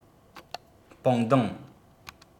པང བརྡུང